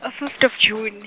a- fifth of June.